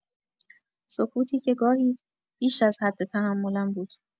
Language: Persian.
سکوتی که گاهی بیش از حد تحملم بود.